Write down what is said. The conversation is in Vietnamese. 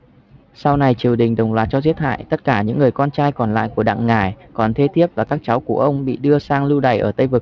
sau này triều đình đồng loạt cho giết hại tất cả những người con trai còn lại của đặng ngải còn thê thiếp và các cháu của ông bị đưa sang lưu đày ở tây vực